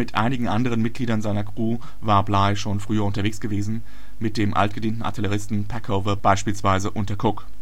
einigen anderen Mitgliedern seiner Crew war Bligh schon früher unterwegs gewesen, mit dem altgedienten Artilleristen Peckover beispielsweise unter Cook